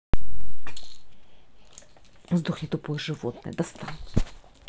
сдохни тупое животное достал